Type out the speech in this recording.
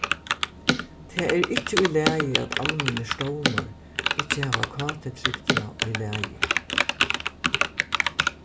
tað er ikki í lagi at almennir stovnar ikki hava kt-trygdina í lagi